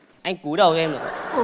anh cúi đầu cho em